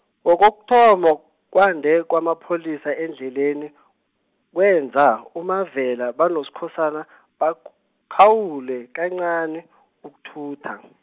ngokuthoma, kwande kwamapholisa endleleni, kwenza, uMavela banoSkhosana, bak-, -khawule kancani, ukuthutha.